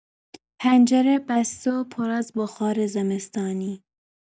پنجره بسته و پر از بخار زمستانی